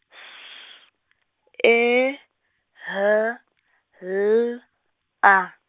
S, E, H, L, A.